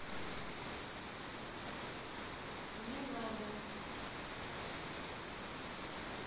не надо